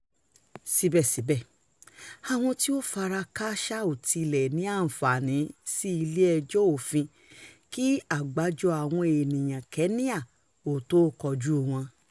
Síbẹ̀síbẹ̀, àwọn tí ó fara kááṣá ò tilẹ̀ ní àǹfààní sí ilé-ẹjọ́ òfin kí àgbájọ-àwọn-ènìyànkéènìà ó tó kojúu wọn.